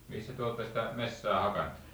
missä te olette sitä metsää hakannut